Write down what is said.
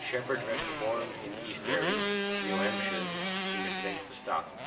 Shepard werd geboren in East Derry, New Hampshire, Verenigde Staten